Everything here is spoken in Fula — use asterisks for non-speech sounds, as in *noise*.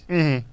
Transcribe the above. *hesitation* *hesitation*